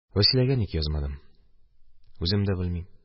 Вәсиләгә ник язмадым – үзем дә белмим.